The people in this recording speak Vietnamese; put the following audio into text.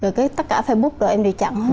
từ kết tất cả phây búc của em bị chặn